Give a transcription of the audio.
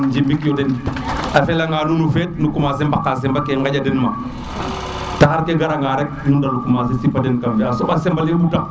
kon njimik yo den a fela nga nuun o feet nu commencer mbaka a sema ke gaƴa den ma taxar ke gara nga rek du ndal fo commence sipa den kam fe a somb simba le ɓuta